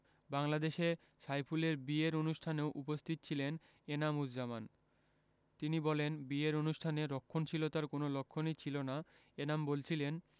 বাংলাদেশে সাইফুলের বিয়ের অনুষ্ঠানেও উপস্থিত ছিলেন এনাম উজজামান তিনি বলেন বিয়ের অনুষ্ঠানে রক্ষণশীলতার কোনো লক্ষণই ছিল না এনাম বলছিলেন